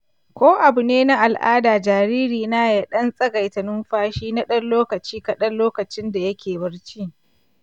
ko abu ne na al'ada jaririna ya ɗan tsagaita numfashi na ɗan lokaci kaɗan lokacin da yake barci?